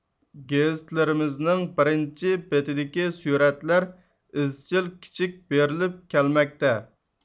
گېزىتلىرىمىزنىڭ بىرىنچى بېتىدىكى سۈرەتلەر ئىزچىل كىچىك بېرىلىپ كەلمەكتە